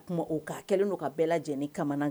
O kuma o ka kɛlen don ka bɛɛ lajɛlen ka